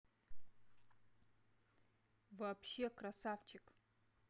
вообще красавчик